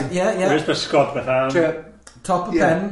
Ie, ie, gweud bysgod fatha am trio, top y pen.